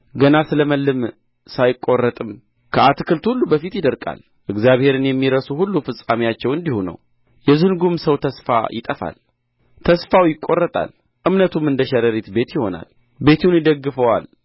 ገና ሲለመልም ሳይቈረጥም ከአትክልት ሁሉ በፊት ይደርቃል እግዚአብሔርን የሚረሱ ሁሉ ፍጻሜአቸው እንዲሁ ነው የዝንጉም ሰው ተስፋ ይጠፋል ተስፋው ይቈረጣል እምነቱም እንደ ሸረሪት ቤት ይሆናል ቤቱን ይደግፈዋል